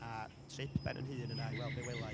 a trip ben yn hun yna i weld be wela i,